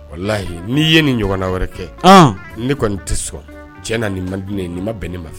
O layi n'i ye nin ɲɔgɔnna wɛrɛ kɛ ne kɔni tɛ sɔn cɛ na ni man ne ye nin ma bɛn ne ma fɛ